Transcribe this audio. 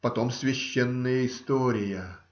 Потом - священная история.